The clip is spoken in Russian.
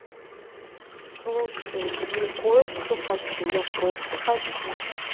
слушай не кое что хочу я просто хочу